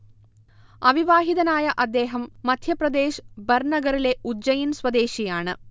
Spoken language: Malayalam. അവിവാഹിതനായ അദ്ദേഹം മധ്യപ്രദേശ് ബർണഗറിലെ ഉജ്ജയിൻ സ്വദേശിയാണ്